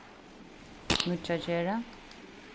nýggjagerði